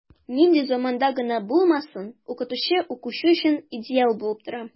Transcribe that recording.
Нинди заманда гына булмасын, укытучы укучы өчен идеал булып тора.